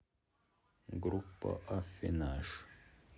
группа аффинаж